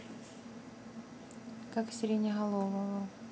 как сиреноголового